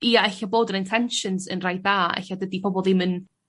I ella bod yr intentions yn rhai dda elle dydi pobol ddim yn